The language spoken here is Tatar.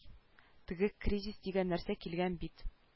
Теге кризис дигән нәрсә килгән бит